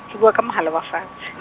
ke bua ka mohala wa fatshe .